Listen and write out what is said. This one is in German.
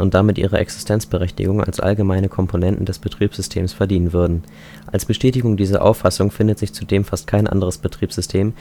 damit ihre Existenzberechtigung als allgemeine Komponenten des Betriebssystems verdienen würden. Als Bestätigung dieser Auffassung findet sich zudem fast kein anderes Betriebssystem